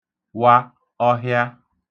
wa ọhịa